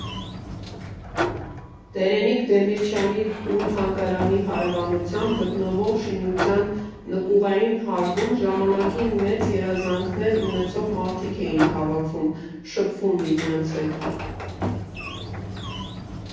Դերենիկ Դեմիրճյանի տուն֊թանգարանի հարևանությամբ գտնվող շինության նկուղային հարկում ժամանակին մեծ երազանքներ ունեցող մարդիկ էին հավաքվում, շփվում միմյանց հետ։